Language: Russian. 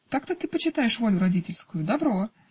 так-то ты почитаешь волю родительскую? Добро!